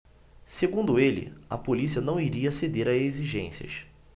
segundo ele a polícia não iria ceder a exigências